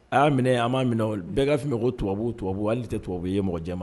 A y'a minɛ an b'a minɛ bɛɛ'a min mɔgɔ ko tubabubu tubabu wali hali tɛ tubabu ye mɔgɔ jɛ ma